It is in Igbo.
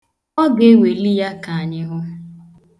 Ọ ga-eweli ya ka anyị hụ.